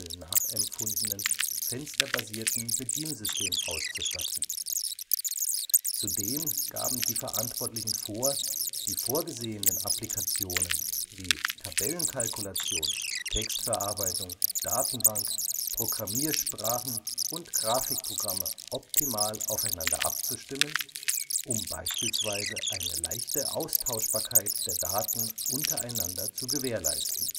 nachempfundenen fensterbasierten Bediensystem auszustatten. Zudem gaben die Verantwortlichen vor, die vorgesehenen Applikationen wie Tabellenkalkulation, Textverarbeitung, Datenbank, Programmiersprachen und Grafikprogramme optimal aufeinander abzustimmen, um beispielsweise eine leichte Austauschbarkeit der Daten untereinander zu gewährleisten